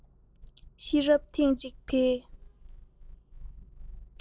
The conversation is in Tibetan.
ཟེར བ མི བདེན པ ཅི མེད